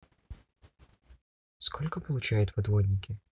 сколько получают подводники